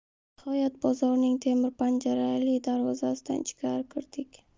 nihoyat bozorning temir panjarali darvozasidan ichkari kirdik